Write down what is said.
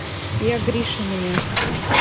я гриша меня